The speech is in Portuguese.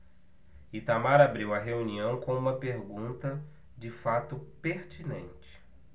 itamar abriu a reunião com uma pergunta de fato pertinente